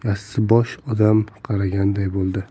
yassibosh odam qaraganday bo'ldi